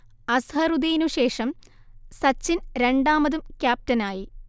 അസ്ഹറുദ്ദീനു ശേഷം സച്ചിൻ രണ്ടാമതും ക്യാപ്റ്റനായി